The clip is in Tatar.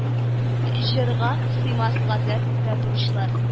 Җырга сыймас газап вә борчулар